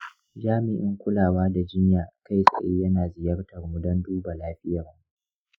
jami'in kulawa da jinya kai-tsaye ya na ziyartarmu don duba lafiyarmu.